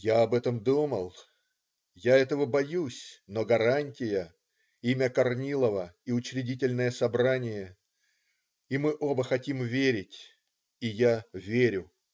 "- "Я об этом думал, я этого боюсь, но гарантия - имя Корнилова и Учредительное собрание. И мы оба хотим верить". И я верю. ...